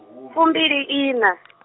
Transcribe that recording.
fumbiliiṋa .